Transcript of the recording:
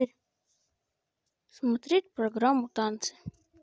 смотреть программу танцы